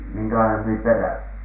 minkälainen se oli perältä